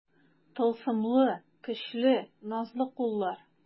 Тылсымлы, көчле, назлы куллар.